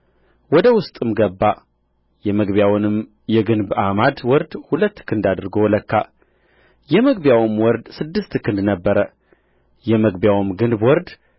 ወደ ውስጥም ገባ የመግቢያውንም የግንብ አዕማድ ወርድ ሁለት ክንድ አድርጎ ለካ የመግቢያውም ወርድ ስድስት ክንድ ነበረ የመግቢያውም ግንብ ወርድ